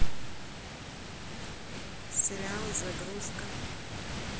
сериал загрузка